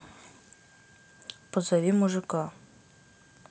позови мужика